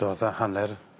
So fatha hanner